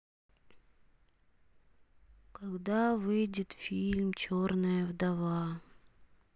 когда выйдет фильм черная вдова